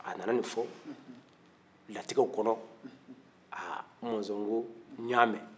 a nana nin fɔ latigɛw kɔnɔ aa monzon ko n y'a mɛn